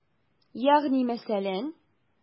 Ягъни мәсәлән?